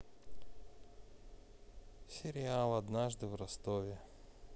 сериал однажды в ростове